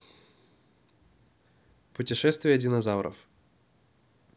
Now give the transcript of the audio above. путешествие динозавров